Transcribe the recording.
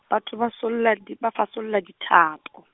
batho ba solla di, ba fasolla dithapo.